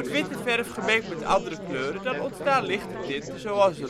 witte verf gemengd met andere kleuren, dan ontstaan lichte tinten zoals